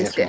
pis ke